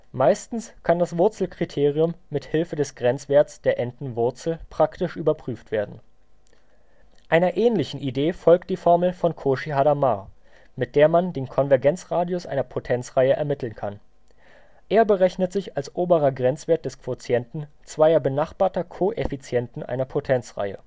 Meistens kann das Wurzelkriterium mit Hilfe des Grenzwerts der n-ten Wurzel praktisch überprüft werden. Einer ähnlichen Idee folgt die Formel von Cauchy-Hadamard, mit der man den Konvergenzradius einer Potenzreihe ermitteln kann. Er berechnet sich als oberer Grenzwert des Quotienten zweier benachbarter Koeffizienten einer Potenzreihe